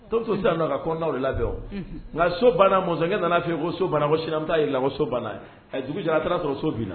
Tɔ bɛ to sisan nɔ ka kɔnɔnaw de labɛn wo, unhun, nka so banna mɔnsɔnkɛ nana fɔ i ye ko so banna ko sini an bɛ taa a jira i la ko so banna dugu jɛra a taar'a sɔrɔ so binna